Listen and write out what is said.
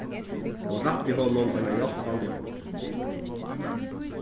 hon rætti honum eina hjálpandi hond